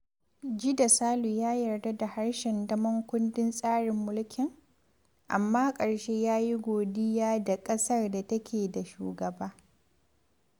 Jide Salu ya yarda da harshen damon kundin tsarin mulkin, amma ƙarshe ya yi godiya da ƙasar da take da shugaba.